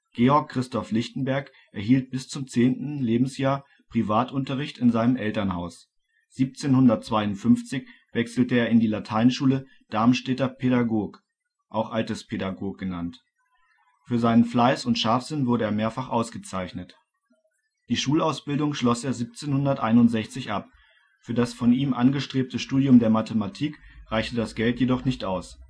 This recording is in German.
Georg Christoph Lichtenberg erhielt bis zum zehnten Lebensjahr Privatunterricht in seinem Elternhaus, 1752 wechselte er in die Lateinschule " Darmstädter Pädagog " (auch Altes Pädagog genannt). Für seinen Fleiß und Scharfsinn wurde er mehrfach ausgezeichnet. Die Schulausbildung schloss er 1761 ab, für das von ihm angestrebte Studium der Mathematik reichte das Geld jedoch nicht aus